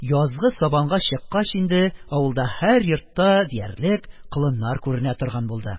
Язгы сабанга чыккач инде, авылда, һәр йортта диярлек, колыннар күренә торган булды.